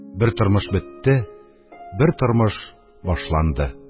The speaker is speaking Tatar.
Бер тормыш бетте, бер тормыш башланды.